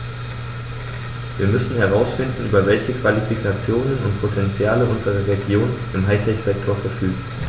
Wir müssen herausfinden, über welche Qualifikationen und Potentiale unsere Regionen im High-Tech-Sektor verfügen.